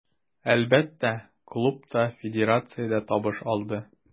Әлбәттә, клуб та, федерация дә табыш алды.